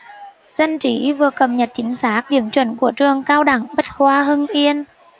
dân trí vừa cập nhật chính xác điểm chuẩn của trường cao đẳng bách khoa hưng yên